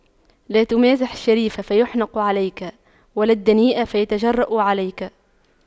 لا تمازح الشريف فيحنق عليك ولا الدنيء فيتجرأ عليك